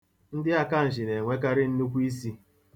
Ndị akanshị na-enwekarị nnukwu isi.